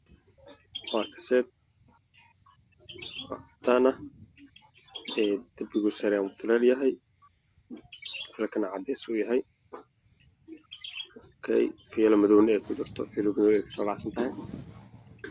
Meeshaan maxaa yeelay qalab lagu isticmaalo internet ka midabkiisa cadaan waxaa agyaalo hormuudka lagu hagaayo